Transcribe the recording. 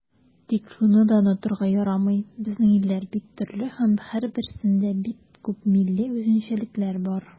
Тик шуны да онытырга ярамый, безнең илләр бик төрле һәм һәрберсендә бик күп милли үзенчәлекләр бар.